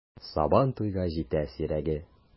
Сабан туйга җитә сирәге!